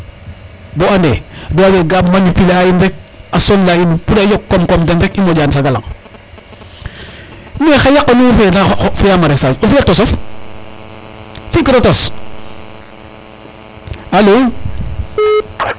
bo ande toubab we ga manipuler a in rek a sonla in pour a yoq kom kom den rek i moƴa saga laŋ mais xa yaqa nu wo fe na fiya maraisage o fiya tosof fi kiro tos alo